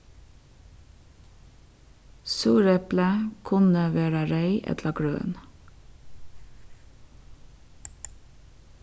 súrepli kunnu vera reyð ella grøn